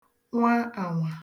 nwà ànwà